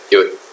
หยุด